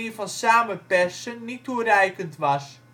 van samenpersen niet toereikend was